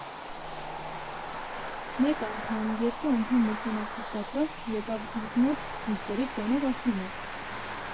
Մեկ անգամ, երկու անգամ մրցանակ չստացավ, եկավ ինձ մոտ, հիստերիկ տոնով ասում է.